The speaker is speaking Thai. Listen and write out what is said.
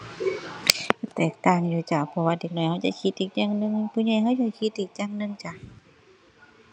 แตกต่างอยู่จ้ะ เพราะว่าเด็กน้อยเราจะคิดอีกอย่างหนึ่ง ผู้ใหญ่เราจะคิดอีกอย่างหนึ่งจ้ะ